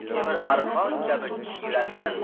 temir arqon kabi chiyralgan